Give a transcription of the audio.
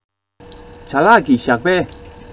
བྱ གླག གིས བཞག པའི